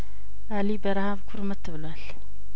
አሊ በረሀብ ኩርምት ብሏል